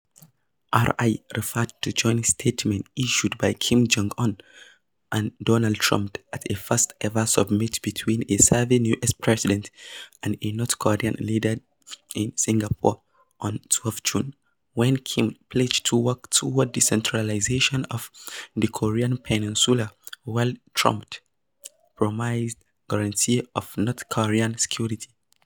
Ri referred to a joint statement issued by Kim Jong Un and Donald Trump at a first ever summit between a serving U.S. president and a North Korean leader in Singapore on June 12, when Kim pledged to work toward "denuclearization of the Korean peninsula" while Trump promised guarantees of North Korea's security.